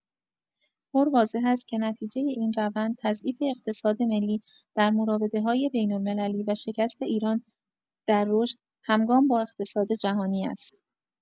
پر واضح است که نتیجۀ این روند تضعیف اقتصاد ملی در مرواده‌های بین‌المللی و شکست ایران در رشد همگام با اقتصاد جهانی است.